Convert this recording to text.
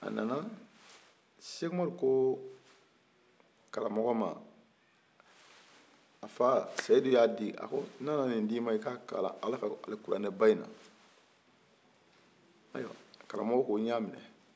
a nana sɛkumaru ko karamɔgɔ ma a fa seyidu y'a di a ko n nana ni di ma i ka kalan ala ka alikuranɛbaw in na karamɔgɔ ko n ɲ'a mɛ